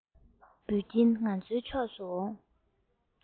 འབོད ཀྱིན ང ཚོའི ཕྱོགས སུ འོང